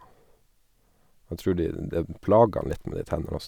Jeg tror de det plager han litt med de tennene også.